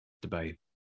Dubai.